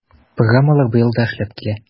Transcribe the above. Программалар быел да эшләп килә.